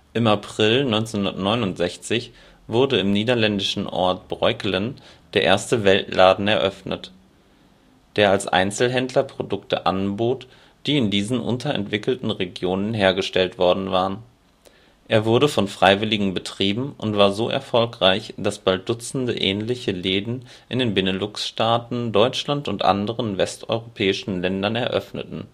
Im April 1969 wurde im niederländischen Ort Breukelen der erste Weltladen eröffnet, der als Einzelhändler Produkte anbot, die in diesen „ unterentwickelten Regionen “hergestellt worden waren. Er wurde von Freiwilligen betrieben und war so erfolgreich, dass bald dutzende ähnlicher Läden in den Beneluxstaaten, Deutschland und anderen westeuropäischen Ländern öffneten